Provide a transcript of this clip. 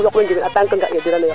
saro lu jego na jeg daal